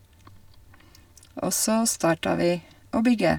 Og så starta vi å bygge.